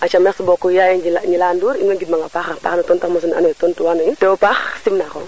aca merci beaucoup yeey Gnilane Ndour in way ngind manga a paax no tontax mosu ne ando naye tontu wano in tewo paax sim na xong